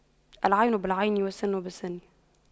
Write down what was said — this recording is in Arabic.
العين بالعين والسن بالسن